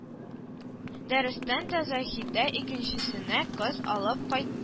Дөрестән дә заһидә икенчесенә кыз алып кайт